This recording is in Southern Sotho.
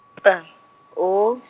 P O.